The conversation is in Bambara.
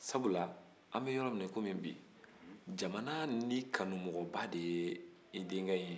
sabula an bɛ yɔrɔ min na i ko bi jamana nin kanubagaba de y'i denkɛ in ye